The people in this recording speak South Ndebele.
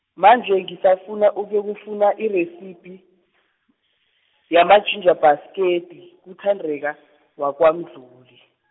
manje ngisafuna ukuyokufuna iresiphi, yamajinja bhasketi kuThandeka, wakwaMdluli.